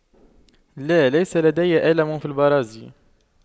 لا ليس لدي ألم في البراز